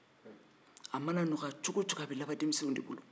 a mana nɔgɔya cogo ocogo a bɛ laban denmisɛnnin de bolo